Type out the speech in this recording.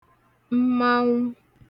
mmanwụ